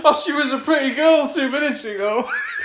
Oh she was a pretty girl two minutes ago